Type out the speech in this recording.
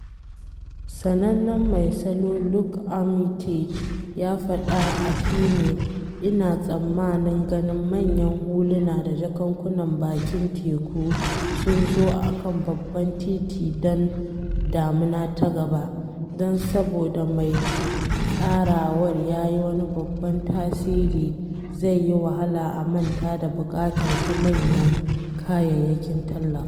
Sanannen mai salo Luke Armitage ya fada a FEMAIL: ‘Ina tsammanin ganin manyan huluna da jakakkunan bakin teku sun zo a kan babban titi don damuna ta gaba - don saboda mai tsarawar ya yi wani babban tasiri zai yi wahala a manta da buƙatar ta manyan kayayyakin tallafin.’